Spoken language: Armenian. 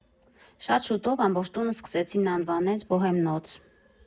Շատ շուտով ամբողջ տունը սկսեցին անվանեց Բոհեմնոց։